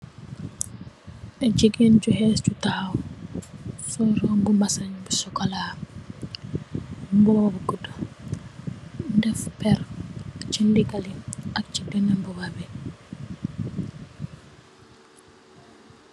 Jigeen ju hess ju taahaw sol robb basin bu sokola bubah bu gudu deff perr ci nggah bi ak ci danu bubah bi.